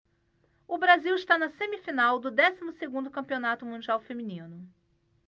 o brasil está na semifinal do décimo segundo campeonato mundial feminino